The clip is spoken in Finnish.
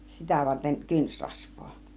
sitä varten kynsirasvaa